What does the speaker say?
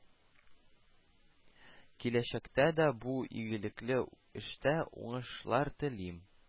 Киләчәктә дә бу игелекле эштә уңышлар телим